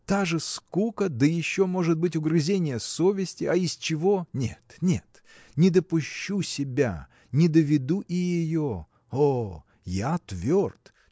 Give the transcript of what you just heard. – Та же скука, да еще, может быть, угрызение совести, а из чего? Нет! нет! не допущу себя, не доведу и ее. О, я тверд!